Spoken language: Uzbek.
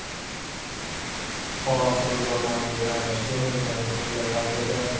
oxirzamon degani shumikin mulla fazliddin